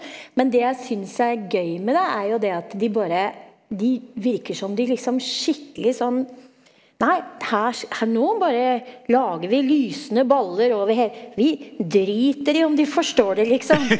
men det jeg synes er gøy med det er jo det at de bare de virker som de liksom skikkelig sånn nei her her nå bare lager vi lysende baller over vi driter i om de forstår det liksom.